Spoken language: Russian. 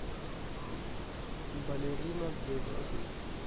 балерина для детей